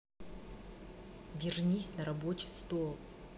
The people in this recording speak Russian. вернись на рабочий стол